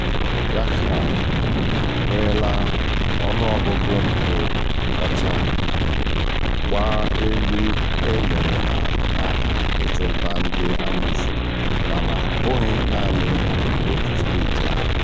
Jharkhand enweela ọnụọgụgụ mpụ kacha gba elu e mere n'aha ịchụnta ndị amoosu mana ọbụghị naanị otu steeti ahụ.